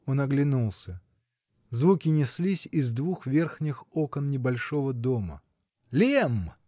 Он оглянулся: звуки неслись из двух верхних окон небольшого дома. -- Лемм!